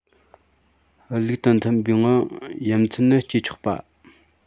ལུགས དང མཐུན པའི ངང ཡ མཚན སྐྱེ ཆོག པ རེད